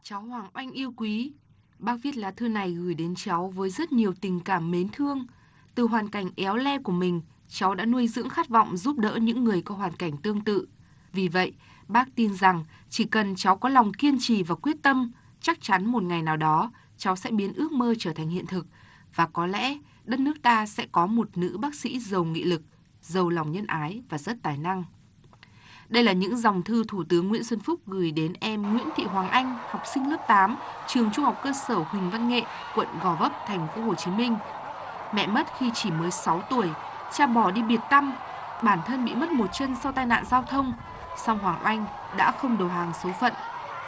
cháu hoàng oanh yêu quý bác viết lá thư này gửi đến cháu với rất nhiều tình cảm mến thương từ hoàn cảnh éo le của mình cháu đã nuôi dưỡng khát vọng giúp đỡ những người có hoàn cảnh tương tự vì vậy bác tin rằng chỉ cần cháu có lòng kiên trì và quyết tâm chắc chắn một ngày nào đó cháu sẽ biến ước mơ trở thành hiện thực và có lẽ đất nước ta sẽ có một nữ bác sĩ giàu nghị lực giàu lòng nhân ái và rất tài năng đây là những dòng thư thủ tướng nguyễn xuân phúc gửi đến em nguyễn thị hoàng oanh học sinh lớp tám trường trung học cơ sở huỳnh văn nghệ quận gò vấp thành phố hồ chí minh mẹ mất khi chỉ mới sáu tuổi cha bỏ đi biệt tăm bản thân bị mất một chân sau tai nạn giao thông song hoàng oanh đã không đầu hàng số phận